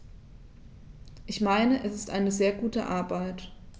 Ich meine, es ist eine sehr gute Arbeit.